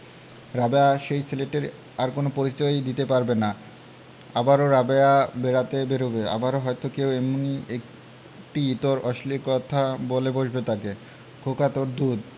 রাবেয়া সেই ছেলেটির আর কোন পরিচয়ই দিতে পারবে না আবারও রাবেয়া বেড়াতে বেরুবে আবারো হয়তো কেউ এমনি একটি ইতর অশ্লীল কথা বলে বসবে তাকে খোকা তোর দুধ